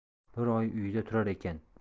bir oy uyida turar ekan